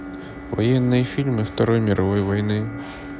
военные фильмы второй мировой войны